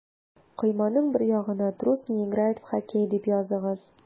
Койманың бер ягына «Трус не играет в хоккей» дип языгыз.